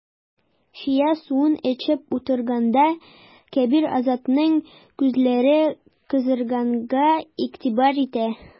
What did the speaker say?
Чия суын эчеп утырганда, Кәбир Азатның күзләре кызарганга игътибар итте.